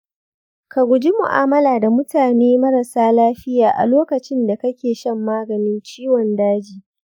ka guji mu'amala da mutane marasa lafiya a lokacinda kake shan maganin ciwon daji.